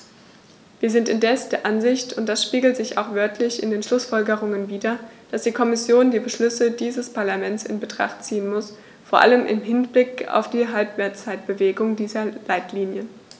Wir sind indes der Ansicht und das spiegelt sich auch wörtlich in den Schlussfolgerungen wider, dass die Kommission die Beschlüsse dieses Parlaments in Betracht ziehen muss, vor allem im Hinblick auf die Halbzeitbewertung dieser Leitlinien.